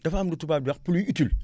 dafa am lu tubaab di wax pluie utile